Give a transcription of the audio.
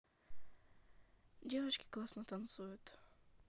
девочки классно танцуют